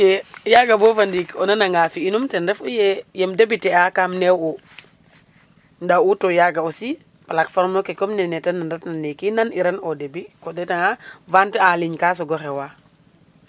Ok yaaga boo fa ndiik o nananga fi'inum ten refu yee yen débuter a kaam neew nda uto yaga aussi platforme ke comme ke comme neke nee ta nandatna ndiiki nand'iran au debut o ɗeetangan vente en ligne kaa soog o xeewaa.